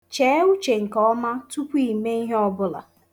Chee uche nke ọma tupu ime ihe ọbụla